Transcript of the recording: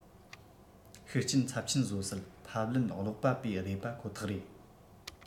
ཤུགས རྐྱེན ཚབས ཆེན བཟོ སྲིད ཕབ ལེན ཀློག པ པོའི རེད པ ཁོ ཐག རེད